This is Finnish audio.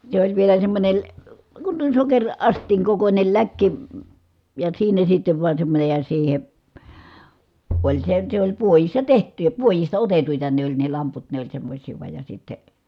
se oli vielä semmoinen - kun tuon - sokeriastian kokoinen läkki ja siinä sitten vain semmoinen ja siihen oli se se oli puodissa tehty ja puodista otettuja ne oli ne lamput ne oli semmoisia vain ja sitten